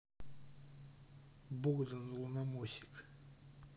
богдан луномосик